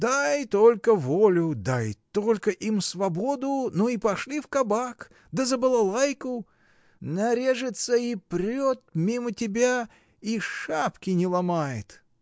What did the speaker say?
— Дай только волю, дай только им свободу, ну и пошли в кабак, да за балалайку: нарежется и прет мимо тебя, и шапки не ломает!